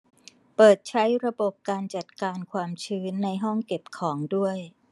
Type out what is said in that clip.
เปิดใช้ระบบการจัดการความชื้นในห้องเก็บของด้วย